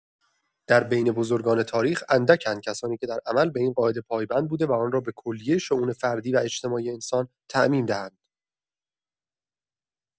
در بین بزرگان تاریخ اندک اند کسانی که در عمل به این قاعده پایبند بوده و آن را به کلیه شئون فردی و اجتماعی انسان تعمیم دهند.